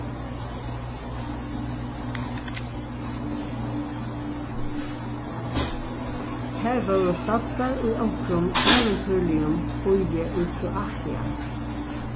tær vóru staddar í onkrum ævintýrligum býi í kroatia